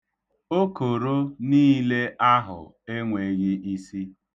Okoro niile ahụ enweghị isi.